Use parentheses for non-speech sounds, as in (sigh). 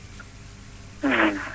(hesitation)